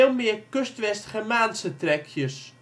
meer Kustwestgermaanse trekjes